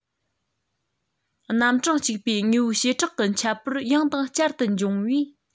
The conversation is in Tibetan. རྣམ གྲངས གཅིག པའི དངོས པོའི བྱེ བྲག གི ཁྱད པར ཡང དང བསྐྱར དུ འབྱུང བས